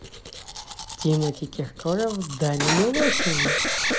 тимати киркоров даня милохин